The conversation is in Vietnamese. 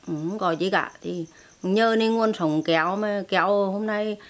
củng không có chi cả thì củng nhờ ki nguồn sống keo mà keo hôm nay